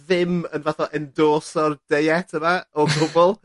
ddim yn fath o endorso'r deiet yma o gwbwl ...